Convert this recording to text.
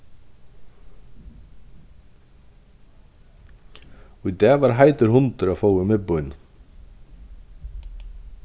í dag var heitur hundur at fáa í miðbýnum